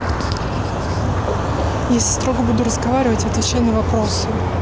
если строго буду разговаривать отвечай на вопросы